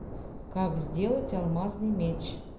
как сделать алмазный меч